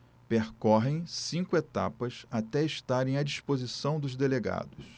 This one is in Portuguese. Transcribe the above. percorrem cinco etapas até estarem à disposição dos delegados